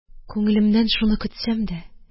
Күңелемнән шуны көтсәм 396 дә